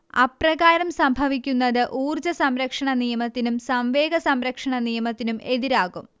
അപ്രകാരം സംഭവിക്കുന്നത് ഊർജ്ജസംരക്ഷണനിയമത്തിനും സംവേഗസംരക്ഷണനിയമത്തിനും എതിരാകും